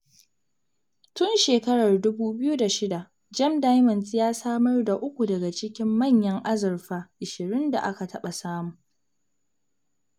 Tun 2006, Gem Diamonds ya samar da uku daga cikin manyan azurfa 20 da aka taɓa samu.